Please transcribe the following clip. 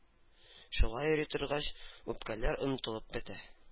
Шулай йөри торгач үпкәләр онытылып бетә.